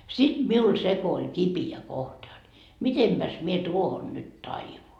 sitten minulla se kun oli kipeä kohta jotta mitenpäs minä tuohon nyt taivun